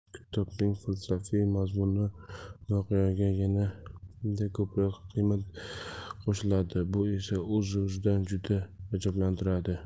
kitobning falsafiy mazmuni voqeaga yanada ko'proq qiymat qo'shadi bu esa o'z o'zidan juda ajablanarli